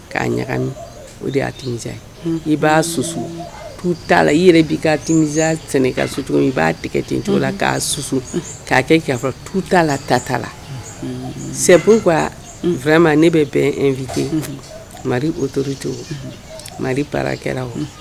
K'a ɲagaani o de y'a tz i b'a susu tu la i yɛrɛ' ka t ka sucogo i b'a tɛgɛ tencogo la'a susu k'a kɛ tu la ta ta la sɛ kuwa ma ne bɛ bɛn nfit mari oto to mari pa kɛra o